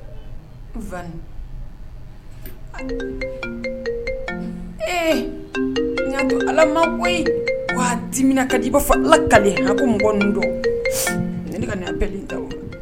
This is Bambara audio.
Na to ala ma bɔ waatimina ka i b'a fɔ ala kale ko don ne bɛɛ ta